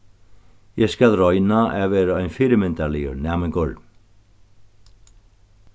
eg skal royna at vera ein fyrimyndarligur næmingur